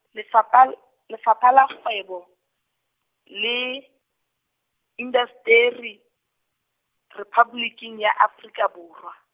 Lefapha L-, Lefapha la Kgwebo, le Indasteri Rephaboliking ya Afrika Borwa.